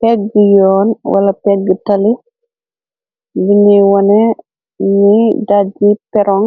Peegë yoon wala peegë tali bi nuy wone ñuy daagi perong,